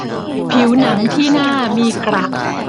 ผัวหนังที่หน้ามีกระ